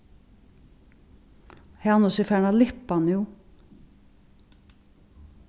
hanus er farin at lippa nú